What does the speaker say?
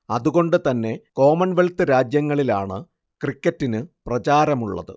അതുകൊണ്ടുതന്നെ കോമൺവെൽത്ത് രാജ്യങ്ങളിലാണ് ക്രിക്കറ്റിനു പ്രചാരമുള്ളത്